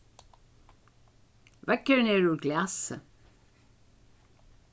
veggurin er úr glasi